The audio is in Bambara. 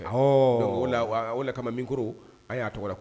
Ɔhɔɔ donc o de la, o de kama micro an y'a tɔgɔ da